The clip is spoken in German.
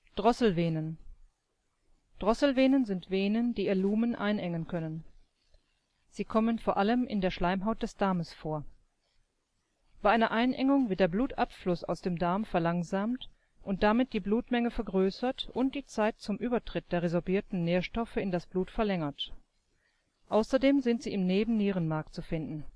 Drosselvenen: Drosselvenen sind Venen, die ihr Lumen einengen können. Sie kommen vor allem in der Schleimhaut des Darmes vor. Bei einer Einengung wird der Blutabfluss aus dem Darm verlangsamt und damit die Blutmenge vergrößert und die Zeit zum Übertritt der resorbierten Nährstoffe in das Blut verlängert. Außerdem sind sie im Nebennierenmark zu finden